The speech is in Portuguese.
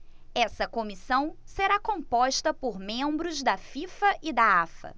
essa comissão será composta por membros da fifa e da afa